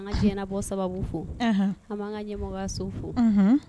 An ka jɛɲɛnabɔ sababu fo an b bɛan ka ɲɛmɔgɔso fo